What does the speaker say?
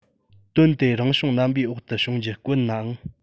དོན དེ རང བྱུང རྣམ པའི འོག ཏུ བྱུང རྒྱུ དཀོན ནའང